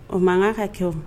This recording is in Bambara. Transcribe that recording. O mankan kan ka kɛ